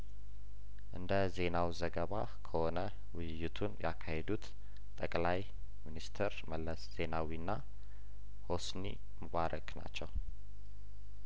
እንደ ዜናው ዘገባ ከሆነ ውይይቱን ያካሄዱት ጠቅላይ ሚኒስተር መለስ ዜናዊና ሆስኒ ሙባረክ ናቸው